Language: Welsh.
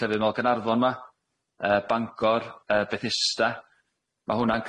llefydd fel Gaernarfon 'ma yy Bangor y Bethesda ma' hwnna'n